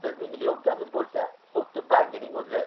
vizning lyonkamiz bo'lsa xuddi bangining o'zi